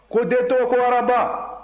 ko den tɔgɔ ko araba